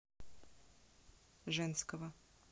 женского